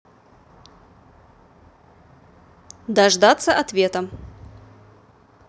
дождаться ответа